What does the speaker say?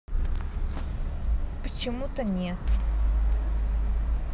почему то нету